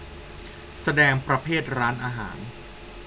แสดงประเภทร้านอาหาร